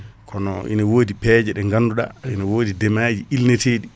kono ene woodi peeje ɗe ganduɗa ne woodi ndemaji ilneteɗi